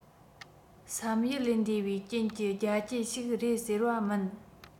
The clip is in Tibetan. བསམ ཡུལ ལས འདས པའི དོན རྐྱེན གྱི རྒྱུ རྐྱེན ཞིག རེད ཟེར བ མིན